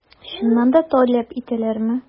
Чыннан да таләп итәләрме?